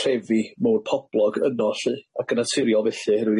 trefi mowr poblog yno lly ac yn naturiol felly oherwydd